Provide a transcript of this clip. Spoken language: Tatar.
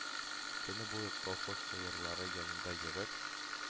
Көне буе колхоз сыерлары янында йөреп